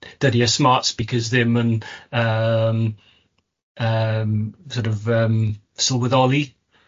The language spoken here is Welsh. Dydi y smart speakers ddim yn yym yym sor' of yym sylweddoli